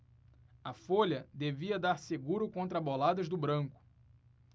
a folha devia dar seguro contra boladas do branco